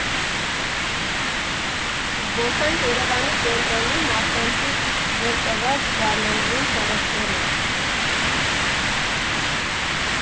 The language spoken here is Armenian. Զբոսանք Երևանի կենտրոնի՝ մարդկանցից զրկված գարնանային փողոցներում։